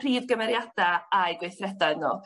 prif gymeriada aui gweithredoedd nw.